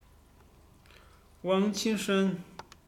ཝང ཆི ཧྲན